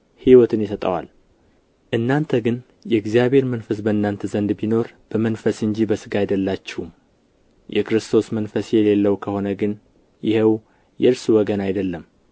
ሕይወትን ይሰጠዋል እናንተ ግን የእግዚአብሔር መንፈስ በእናንተ ዘንድ ቢኖር በመንፈስ እንጂ በሥጋ አይደላችሁም የክርስቶስ መንፈስ የሌለው ከሆነ ግን ይኸው የእርሱ ወገን አይደለም